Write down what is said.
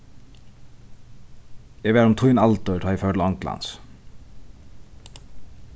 eg var um tín aldur tá ið eg fór til onglands